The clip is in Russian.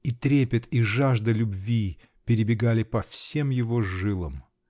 и трепет и жажда любви перебегали по всем его жилам.